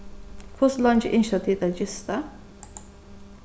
hvussu leingi ynskja tit at gista